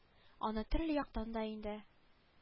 Аны төрле яктан да инде